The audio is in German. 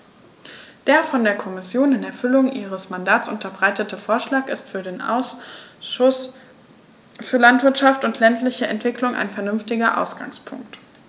Der von der Kommission in Erfüllung ihres Mandats unterbreitete Vorschlag ist für den Ausschuss für Landwirtschaft und ländliche Entwicklung ein vernünftiger Ausgangspunkt.